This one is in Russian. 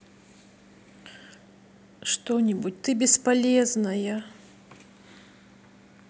что нибудь ты бесполезная